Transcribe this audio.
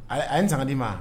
A ye san ka d'i ma